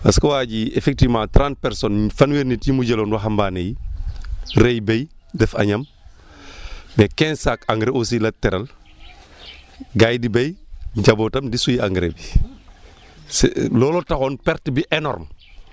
parce que waa ji effectivement trente personnes fanweeri nit yi mu jëloon waxambaane yi rey bëy def añam ne quinze sacs engrais aussi la teral gaa yi di béy njabootam di suy engrais bi c' est looloo taxoon perte bi énorme